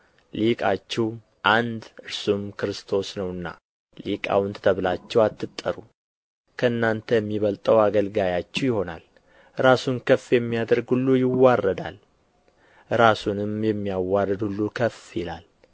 ሊቃችሁ አንድ እርሱም ክርስቶስ ነውና ሊቃውንት ተብላችሁ አትጠሩ ከእናንተም የሚበልጠው አገልጋያችሁ ይሆናል ራሱን ከፍ የሚያደርግ ሁሉ ይዋረዳል ራሱንም የሚያዋርድ ሁሉ ከፍ ይላል